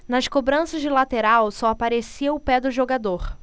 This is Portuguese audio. nas cobranças de lateral só aparecia o pé do jogador